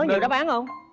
nhiều đáp án hông